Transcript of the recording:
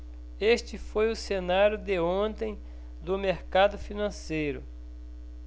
este foi o cenário de ontem do mercado financeiro